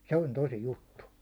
se on tosi juttu